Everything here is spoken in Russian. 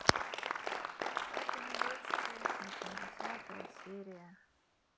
папины дочки восьмидесятая серия